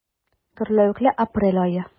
Гөрләвекле апрель ае.